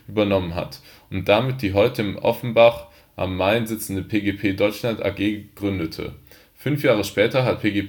übernommen hat und damit die heute in Offenbach am Main sitzende PGP Deutschland AG gründete. Fünf Jahre später hat PGP